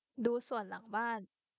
ดูสวนหลังบ้าน